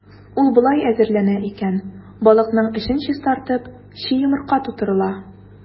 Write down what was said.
Ул болай әзерләнә икән: балыкның эчен чистартып, чи йомырка тутырыла.